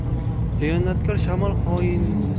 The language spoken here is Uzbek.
xiyonatkor shamol xoinona